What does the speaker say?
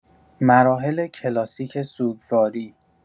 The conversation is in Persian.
مراحل کلاسیک سوگواری